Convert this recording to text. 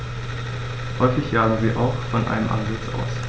Häufig jagen sie auch von einem Ansitz aus.